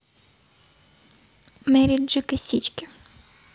mary gu косички